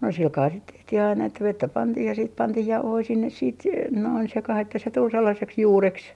no sillä kalella sitten tehtiin aina että vettä pantiin ja sitten pantiin jauhoja sinne sitten - noin sekaan että se tuli sellaiseksi juureksi